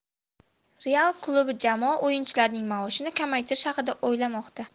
real klubi jamoa o'yinchilarining maoshini kamaytirish haqida o'ylamoqda